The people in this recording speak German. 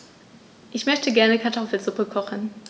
Ich möchte gerne Kartoffelsuppe kochen.